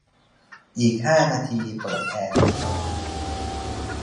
อีกห้านาทีเปิดแอร์ให้หน่อย